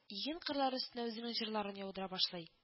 Иген кырлары өстенә үзенең җырларын яудыра башлый